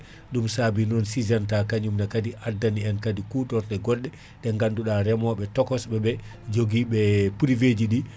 ɗum saabi non sygenta kaañumne kaadi adaani en kaadi kuutorɗe godɗe ɓe ganduɗa reemoɓe tokosɓeɓe jooguiɓe privé ji ɗi